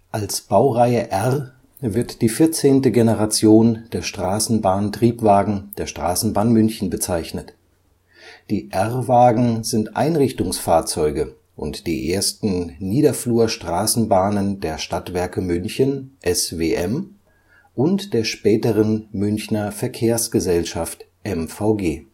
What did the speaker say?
Als Baureihe R wird die 14. Generation der Straßenbahn-Triebwagen der Straßenbahn München bezeichnet. Die R-Wagen sind Einrichtungsfahrzeuge und die ersten Niederflurstraßenbahnen der Stadtwerke München (SWM) und der späteren Münchner Verkehrsgesellschaft (MVG